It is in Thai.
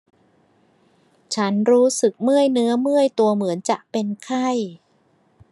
ฉันรู้สึกเมื่อยเนื้อเมื่อยตัวเหมือนจะเป็นไข้